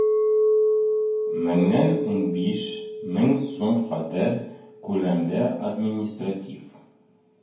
Меңнән унбиш мең сумга кадәр күләмендә административ